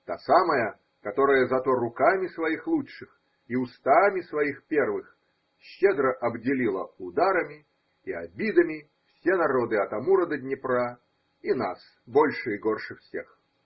та самая, которая зато руками своих лучших и устами своих первых щедро обделила ударами и обидами все народы от Амура до Днепра, и нас больше и горше всех.